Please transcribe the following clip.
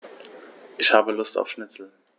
Ich habe Lust auf Schnitzel.